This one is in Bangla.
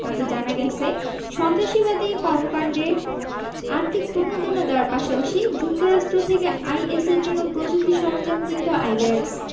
তাতে জানা গেছে সন্ত্রাসবাদী কর্মকাণ্ডে আর্থিক প্রণোদনা দেওয়ার পাশাপাশি যুক্তরাষ্ট্র থেকে আইএসের জন্য প্রযুক্তি সরঞ্জাম কিনত আইব্যাকস